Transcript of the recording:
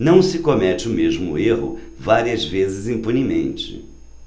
não se comete o mesmo erro várias vezes impunemente